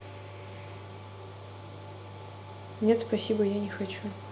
нет спасибо я не хочу